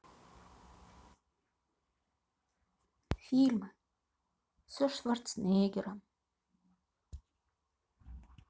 фильмы со шварценеггером